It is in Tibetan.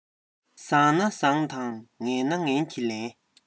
བཟང ན བཟང དང ངན ན ངན གྱིས ལན